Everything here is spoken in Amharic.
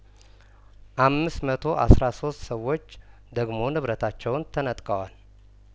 አምስት መቶ አስራ ሶስት ሰዎች ደግሞ ንብረታቸውን ተነጥቀዋል